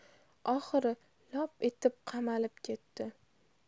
oxiri lop etib qamalib ketdi